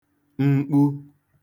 mkpu